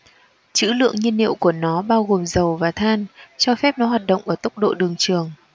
trữ lượng nhiên liệu của nó bao gồm dầu và than cho phép nó tầm hoạt động ở tốc độ đường trường